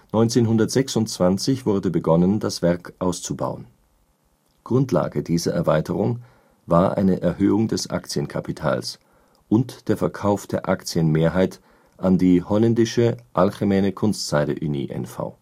1926 wurde begonnen das Werk auszubauen. Grundlage dieser Erweiterung war eine Erhöhung des Aktienkapitals und der Verkauf der Aktienmehrheit an die holländische Algemene Kunstzijde Unie N.V.